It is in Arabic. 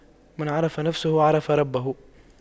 من عرف نفسه عرف ربه